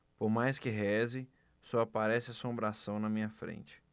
por mais que reze só aparece assombração na minha frente